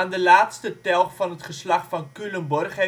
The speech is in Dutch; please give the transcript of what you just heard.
de laatste telg van het geslacht van Culemborg